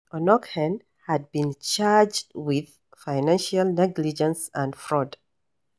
Onnoghen had been charged with financial negligence and fraud.